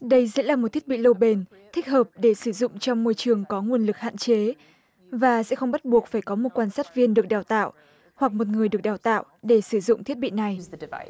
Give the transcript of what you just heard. đây sẽ là một thiết bị lâu bền thích hợp để sử dụng trong môi trường có nguồn lực hạn chế và sẽ không bắt buộc phải có một quan sát viên được đào tạo hoặc một người được đào tạo để sử dụng thiết bị này